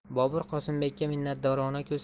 bobur qosimbekka minnatdorona ko'z